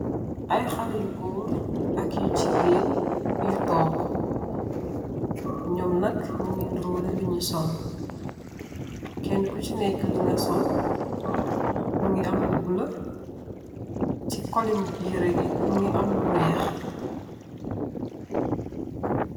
Ay xalèh yu gór ak yu gigeen yu tóóg, ñom nak ñugi niroleh li ñu sol. Kenna ki si Kenna liga sol mugii am lu bula ci koli yirèh ngi mugii am lu wèèx.